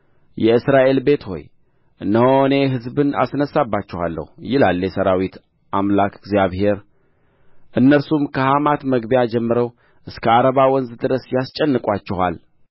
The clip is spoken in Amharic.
የእስራኤል ቤት ሆይ እነሆ እኔ ሕዝብን አስነሣባችኋለሁ ይላል የሠራዊት አምላክ እግዚአብሔር እነርሱም ከሐማት መግቢያ ጀምረው እስከ ዓረባ ወንዝ ድረስ ያስጨንቋችኋል